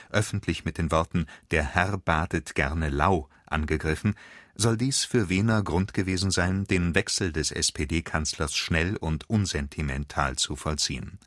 öffentlich mit den Worten „ Der Herr badet gerne lau “angegriffen – soll dies für Wehner Grund gewesen sein, den Wechsel des SPD-Kanzlers schnell und unsentimental zu vollziehen